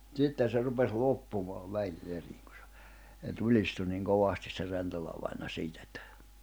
ja sitten se rupesi loppumaan vähin erin kun se se tulistui niin kovasti se Rentola-vainaja siitä että